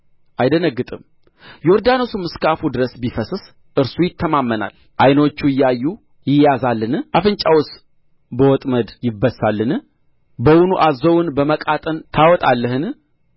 አይደነግጥም ዮርዳኖስም እስከ አፉ ድረስ ቢፈስስ እርሱ ይተማመናል ዓይኖቹ እያዩ ይያዛልን አፍንጫውስ በወጥመድ ይበሳልን በውኑ አዞውን በመቃጥን ታወጣለህን